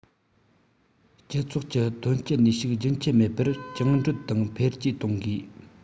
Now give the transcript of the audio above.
སྤྱི ཚོགས ཀྱི ཐོན སྐྱེད ནུས ཤུགས རྒྱུན ཆད མེད པར བཅིངས འགྲོལ དང འཕེལ རྒྱས གཏོང དགོས